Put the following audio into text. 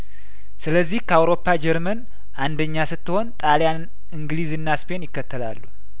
ስለዚህ ከአውሮፓ ጀርመን አንደኛ ስት ሆን ጣልያን እንግሊዝና ስፔን ይከተላሉ